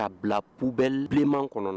Ka bila poubelle bilenman kɔnɔ.